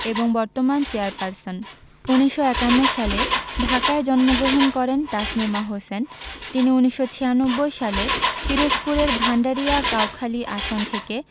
এবং বর্তমান চেয়ারপারসন ১৯৫১ সালে ঢাকায় জন্মগ্রহণ করেন তাসমিমা হোসেন তিনি ১৯৯৬ সালে পিরোজপুরের ভাণ্ডারিয়া কাউখালী আসন থেকে